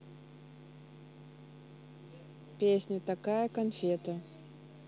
песня такая конфета